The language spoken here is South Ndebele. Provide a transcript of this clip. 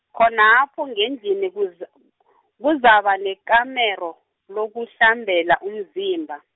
khonapho ngendlini kuza- kuzaba nekamero, lokuhlambela umzimba.